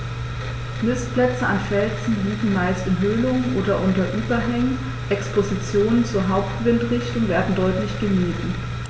Nistplätze an Felsen liegen meist in Höhlungen oder unter Überhängen, Expositionen zur Hauptwindrichtung werden deutlich gemieden.